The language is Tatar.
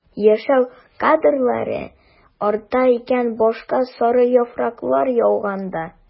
Яшәү кадерләре арта икән башка сары яфрак яуганда...